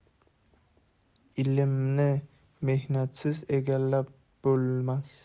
ilmni mehnatsiz egallab bo'lmas